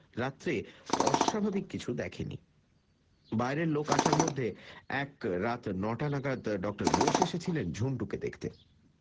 রাত্রে অস্বাভাবিক কিছু দেখেনি বাইরের লোক আসার মধ্যে এক রাত নটা নাগাত ডাক্তার বোস এসেছিলেন বুন্টুকে দেখতে